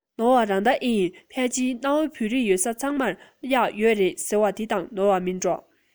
ནོར བ རང ད ཨེ ཡིན ཕལ ཆེར གནའ བོའི བོད རིགས ཡོད ས ཚང མར གཡག ཡོད རེད ཟེར བ དེ དང ནོར བ མིན འགྲོ